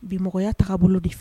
Bimɔgɔya ta bolo de fɛ